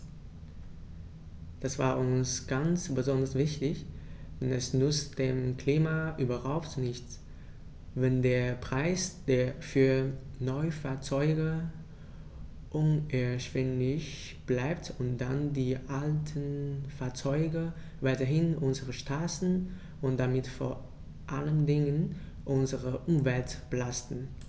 Das war uns ganz besonders wichtig, denn es nützt dem Klima überhaupt nichts, wenn der Preis für Neufahrzeuge unerschwinglich bleibt und dann die alten Fahrzeuge weiterhin unsere Straßen und damit vor allen Dingen unsere Umwelt belasten.